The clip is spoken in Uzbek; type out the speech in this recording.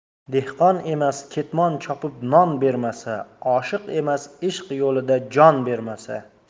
dehqon emas ketmon chopib non bermasa oshiq emas ishq yo'lida jon bermasa